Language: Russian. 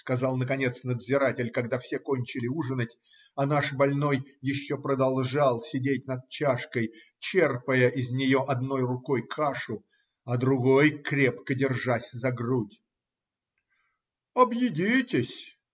сказал, наконец, надзиратель, когда все кончили ужинать, а наш больной еще продолжал сидеть над чашкой, черпая из нее одной рукой кашу, а другой крепко держась за грудь. - Объедитесь.